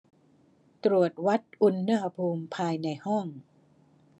ตรวจวัดอุณหภูมิภายในห้อง